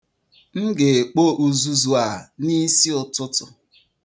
M ga-ekpo uzuzu a n'isi ụtụtụ.